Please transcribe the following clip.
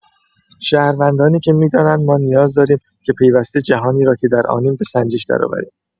شهروندانی که می‌دانند ما نیاز داریم که پیوسته جهانی را که در آنیم به سنجش درآوریم.